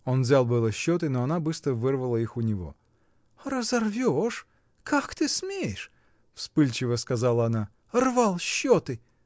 Он взял было счеты, но она быстро вырвала их у него. — Разорвешь: как ты смеешь? — вспыльчиво сказала она. — Рвал счеты!